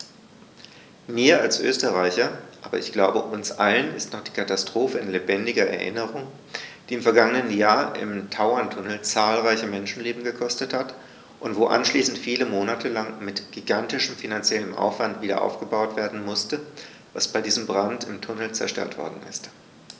Mir als Österreicher, aber ich glaube, uns allen ist noch die Katastrophe in lebendiger Erinnerung, die im vergangenen Jahr im Tauerntunnel zahlreiche Menschenleben gekostet hat und wo anschließend viele Monate lang mit gigantischem finanziellem Aufwand wiederaufgebaut werden musste, was bei diesem Brand im Tunnel zerstört worden ist.